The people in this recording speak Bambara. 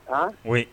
Mun